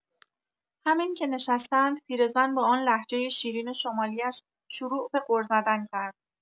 همین که نشستند پیرزن با آن لحجه شیرین شمالی‌اش شروع به غر زدن کرد.